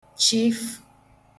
chịfụ̀